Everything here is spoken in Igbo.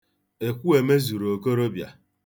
Ekwueme zuru okorobịa.